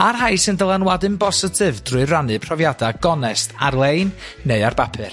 a rhai sy'n dylanwadu'n bositif drwy rannu profiada' gonest ar-lein neu ar bapur.